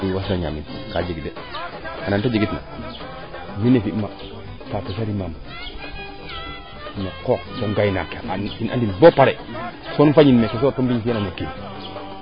i wasla ñaamin kaa jeg de anda neete jegit na mi ne fi ma faao sa ndimaam no ngook no ngay naak ten andum boo pare so fañin meeke so reto mbiñ fiyanan o kiin